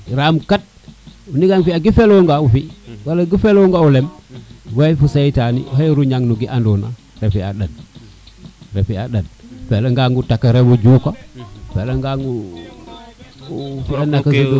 ram kat nigan ku felonga o fi wala ku felonga o ley waxey fo seytni oxey runiang no ke ando na refe a ndat refe a ndat a fela ngaŋ o tak rewa jukafela ngaŋ o fiya naka sudul